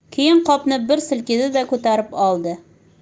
keyin qopni bir silkidida ko'tarib oldi